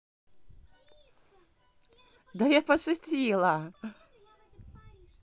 да я пошутила